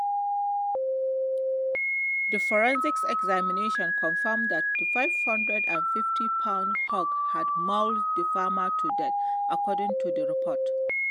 A forensic examination confirmed that the 550 pound hog had mauled the farmer to death, according to the report.